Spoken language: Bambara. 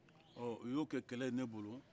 ɔ u y'o kɛ kɛlɛ ye ne bolo